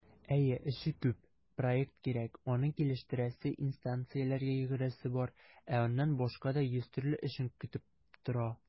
Әйе, эше күп - проект кирәк, аны килештерәсе, инстанцияләргә йөгерәсе бар, ә аннан башка да йөз төрле эшең көтеп тора.